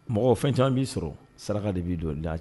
Mɔgɔ fɛn caman b'i sɔrɔ saraka de b'i don i n'a cɛ